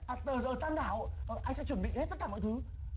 à tờ rờ tam đảo ờ anh sẽ chuẩn bị hết tất cả mọi thứ